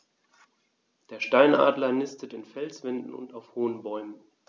Der Steinadler nistet in Felswänden und auf hohen Bäumen.